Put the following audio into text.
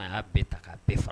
A ya bɛɛ ta ka bɛɛ fa